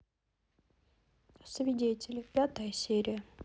свидетели пятая серия